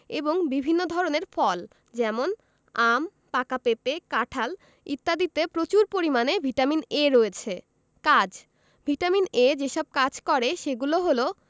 এবং বিভিন্ন ধরনের ফল যেমন আম পাকা পেঁপে কাঁঠাল ইত্যাদিতে প্রচুর পরিমানে ভিটামিন A রয়েছে কাজ ভিটামিন A যেসব কাজ করে সেগুলো হলো